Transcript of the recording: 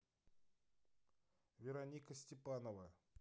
вероника степанова